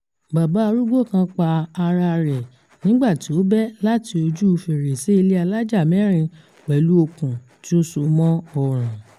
Bàbá arúgbó kan pa ara rẹ̀ nígbà tí ó bẹ́ láti ojúu fèrèsé ilé alájà-mẹ́rin pẹ̀lú okùn tí ó so mọ́ ọrùn.